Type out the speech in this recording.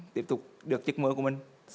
tiếp tục được giấc mơ của mình